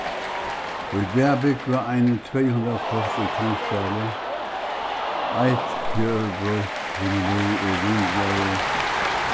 í dag búgva eini tvey hundrað fólk í kambsdali eitt fjølbroytt vinnulív er grundarlagið